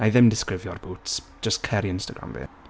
Wna i ddim disgrifio'r boots jyst cer i Instagram fi.